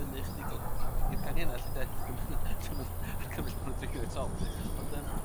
fyny ychydig o i- i'r canghenna' lly 'de? Dwi'm yn dwi'm yn argymell bo' nhw'n dringo i'r top lly, ond yym